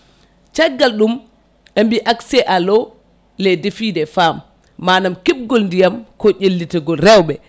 caggal ɗum ɓe mbi accé à l' eau les défis des femmes manam kebgol ndiyam ko ƴellitagol rewɓe